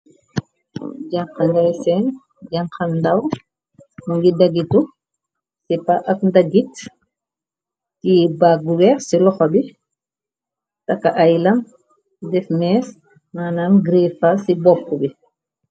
Janxa ngai seen janxa ndaw mongi dagitu sipa ak dagit teye bag bu weex ci loxa bi taka ay lam def mees nanaam gréfas ci boppam bi.